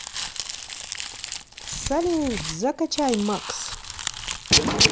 салют закачай макс